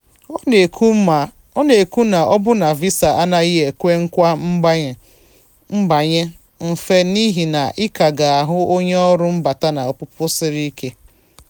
Ọ na-ekwu na ọbụna visa anaghị ekwe nkwa mbanye mfe n'ihi na ""ị ka ga-ahụ onye ọrụ mbata na ọpụpụ siri ike nke ga-ajụ gị n'ụzọ dị njọ, Gịnị ka ị nọ ebe a ime?""